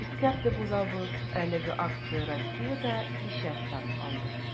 Искәртеп узабыз, әлеге акция Россиядә кичә старт алды.